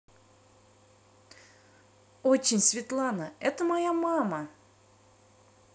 очень светлана это моя мама